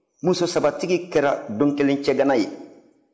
muso saba tigi kɛra don kelen cɛganan ye